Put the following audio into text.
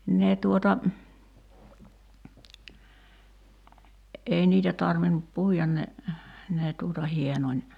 ne tuota ei niitä tarvinnut puida ne ne tuota hienoni